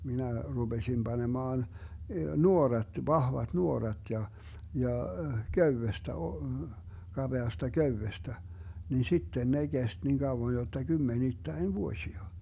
minä rupesin panemaan nuorat vahvat nuorat ja ja köydestä - kapeasta köydestä niin sitten ne kesti niin kauan jotta kymmenittäin vuosia